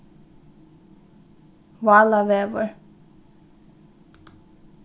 válavegur